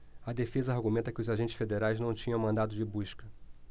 a defesa argumenta que os agentes federais não tinham mandado de busca